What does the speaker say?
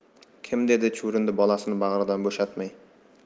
kim dedi chuvrindi bolasini bag'ridan bo'shatmay